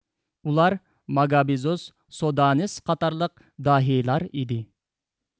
ئۇلار ماگابىزوس سودانىس قاتارلىق داھىيلار ئىدى